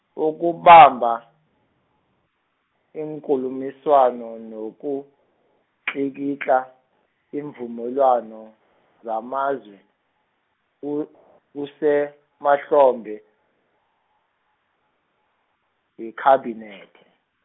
ukubamba, iinkulumiswano nokutlikitla, iimvumelwano zamazwe, ku- kusemahlombe, weKhabinethe.